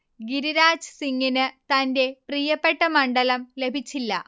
ഗിരിരാജ് സിംഗിന് തൻറെ പ്രിയപ്പെട്ട മണ്ഡലം ലഭിച്ചില്ല